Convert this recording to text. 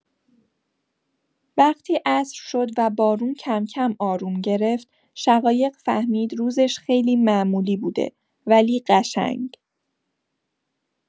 وقتی عصر شد و بارون کم‌کم آروم گرفت، شقایق فهمید روزش خیلی معمولی بوده، ولی قشنگ.